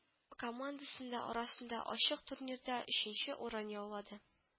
Командасында арасында ачык турнирда өченче урын яулады